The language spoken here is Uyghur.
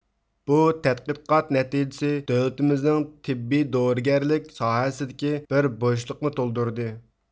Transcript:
بۇ تەتقىقات نەتىجىسى دۆلىتىمىزنىڭ تېببىي دورىگەرلىك ساھەسىدىكى بىر بوشلۇقنى تولدۇردى